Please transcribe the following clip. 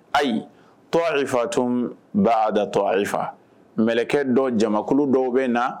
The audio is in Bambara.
Ayi tofa tun baa datɔ a mkɛ dɔ jamankulu dɔw bɛ na